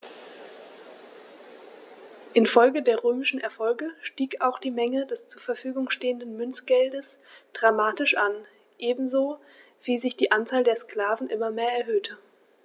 Infolge der römischen Erfolge stieg auch die Menge des zur Verfügung stehenden Münzgeldes dramatisch an, ebenso wie sich die Anzahl der Sklaven immer mehr erhöhte.